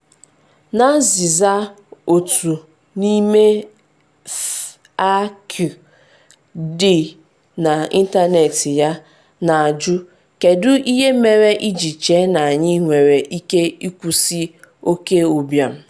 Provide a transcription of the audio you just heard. N’azịza otu n’ime FAQ dị na ịntanetị ya, na-ajụ, “kedu ihe mere iji chee na anyị nwere ike ịkwụsị oke ụbịam?”